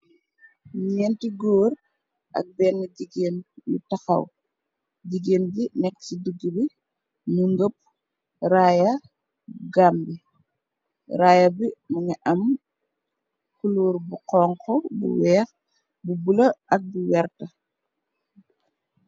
Ñeenti góor ak benn jigéen yu tahaw, jigéen gi nekk ci digg bi mu ndopp raaya Gambi. Raaya bi mungi am kuluur bu honku, bu weeh, bu bulo ak bu verte.